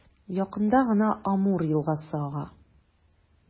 Якында гына Амур елгасы ага.